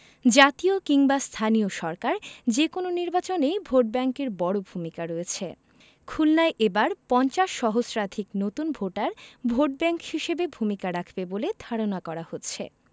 জাতীয় কিংবা স্থানীয় সরকার যেকোনো নির্বাচনেই ভোটব্যাংকের বড় ভূমিকা রয়েছে খুলনায় এবার ৫০ সহস্রাধিক নতুন ভোটার ভোটব্যাংক হিসেবে ভূমিকা রাখবে বলে ধারণা করা হচ্ছে